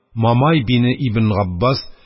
Мамай бине ибн Габбас,